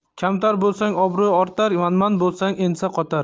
kamtar bo'lsang obro' ortar manman bo'lsang ensa qotar